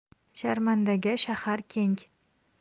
sharmandaga shahar keng